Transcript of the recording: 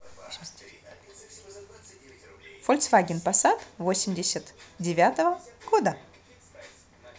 фольксваген пассат восемьдесят девятого года